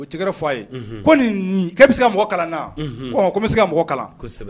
O tɛ fɔ a ye ko nin bɛ se ka mɔgɔ kalan na kɔmi bɛ se ka mɔgɔ kalan